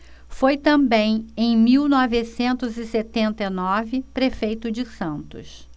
foi também em mil novecentos e setenta e nove prefeito de santos